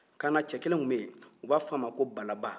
kana cɛ kelen tun bɛ yen u b'a f'a ma ko balaba